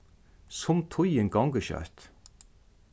sum tíðin gongur skjótt